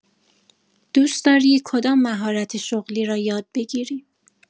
دوست‌داری کدام مهارت شغلی را یاد بگیری؟